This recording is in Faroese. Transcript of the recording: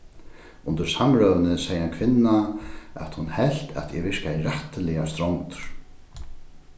undir samrøðuni segði ein kvinna at hon helt at eg virkaði rættiliga strongdur